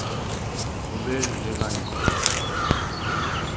hon verður her leingi